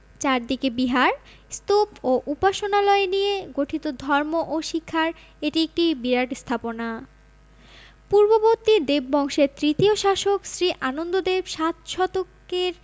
চারদিকে বিহার স্তূপ ও উপাসনালয় নিয়ে গঠিত ধর্ম ও শিক্ষার এটি একটি বিরাট স্থাপনা পূর্ববর্তী দেববংশের তৃতীয় শাসক শ্রী আনন্দদেব সাত শতকের